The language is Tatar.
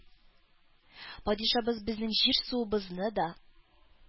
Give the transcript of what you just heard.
— падишабыз безнең җир-суыбызны да,